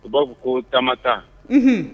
U b'a fɔ ko tamata